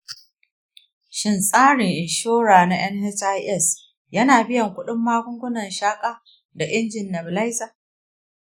shin tsarin inshora na nhis yana biyan kudin magungunan shaka da injin nebulizer?